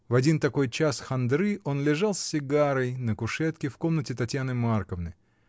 В один такой час хандры он лежал с сигарой на кушетке в комнате Татьяны Марковны.